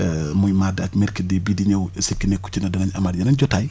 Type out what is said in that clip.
muy mardi ak mercredi bii di ñëw est ce que nekku ci ne danañu amaat yeneen jotaay